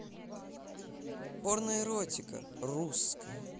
порно эротика русская